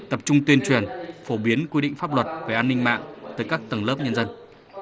tập trung tuyên truyền phổ biến quy định pháp luật về an ninh mạng tới các tầng lớp nhân dân